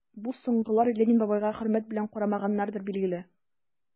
Бу соңгылар Ленин бабайга хөрмәт белән карамаганнардыр, билгеле...